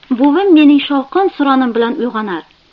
buvim mening shovqin suronim bilan uyg'onar